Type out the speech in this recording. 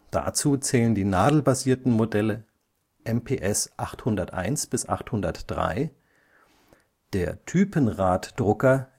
Dazu zählen die nadelbasierten Modelle MPS 801 bis 803, der Typenraddrucker